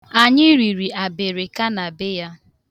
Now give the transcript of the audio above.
Anyị riri abịrịka na be ya.